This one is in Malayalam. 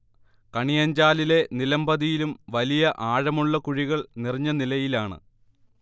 കണിയഞ്ചാലിലെ നിലംപതിയിലും വലിയ ആഴമുള്ള കുഴികൾ നിറഞ്ഞനിലയിലാണ്